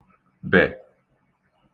bè